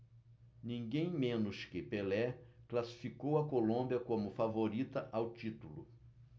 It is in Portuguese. ninguém menos que pelé classificou a colômbia como favorita ao título